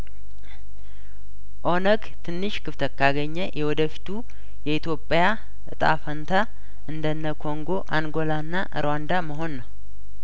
ኦነግ ትንሽ ክፍተት ካገኘ የወደፊቱ የኢትዮጵያ እጣፈንታ እንደነ ኮንጐ አንጐላና ሩዋንዳ መሆን ነው